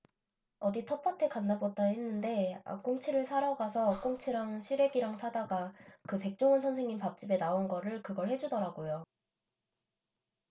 어디 텃밭에 갔나보다 했는데 아 꽁치를 사러 가서 꽁치랑 시래기랑 사다가 그 백종원 선생님 밥집에 나온 거를 그걸 해주더라고요